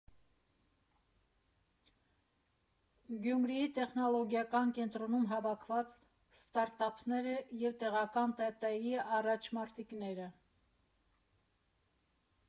Գյումրիի տեխնոլոգիական կենտրոնում հավաքված ստարտափները և տեղական ՏՏ֊ի առաջամարտիկները։